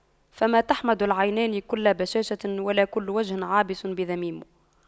فما تحمد العينان كل بشاشة ولا كل وجه عابس بذميم